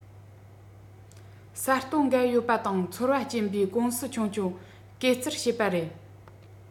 གསར གཏོད འགའ ཡོད པ དང ཚོར བ སྐྱེན པའི ཀུང སི ཆུང ཆུང སྐེ བཙིར བྱེད པ རེད